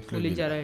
Foli diyara ye